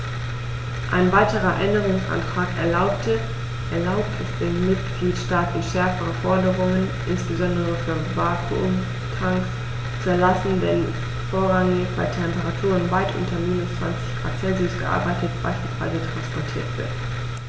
Ein weiterer Änderungsantrag erlaubt es den Mitgliedstaaten, schärfere Forderungen, insbesondere für Vakuumtanks, zu erlassen, wenn vorrangig bei Temperaturen weit unter minus 20º C gearbeitet bzw. transportiert wird.